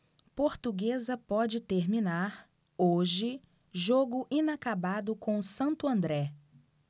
portuguesa pode terminar hoje jogo inacabado com o santo andré